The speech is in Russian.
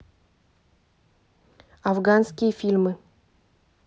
афганские фильмы